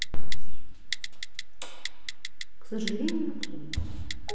к сожалению плохо